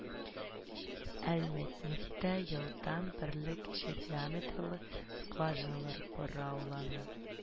«әлмәтнефть»тә елдан бирле кече диаметрлы скважиналар бораулана